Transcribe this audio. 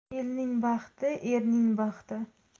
elning baxti erning baxti